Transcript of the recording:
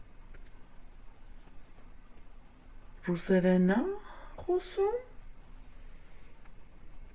Ռուսերեն ա՞ խոսում։